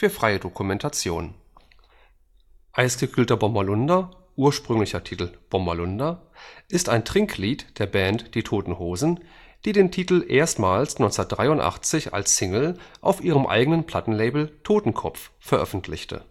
freie Dokumentation. Eisgekühlter Bommerlunder (ursprünglicher Titel: Bommerlunder) ist ein Trinklied der Band Die Toten Hosen, die den Titel erstmals 1983 als Single auf ihrem eigenem Plattenlabel Totenkopf veröffentlichte